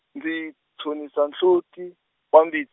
ndzi tshonisa nhloti, wa mbit-.